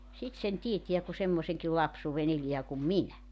sitten sen tietää kun semmoisenkin lapsuuden elää kuin minä